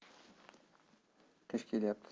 qish kelyapti